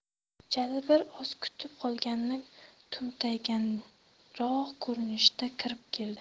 jalil bir oz kutib qolganmi tumtayganroq ko'rinishda kirib keldi